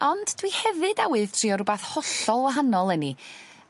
Ond dwi hefyd awydd trio rwbath hollol wahanol 'leni.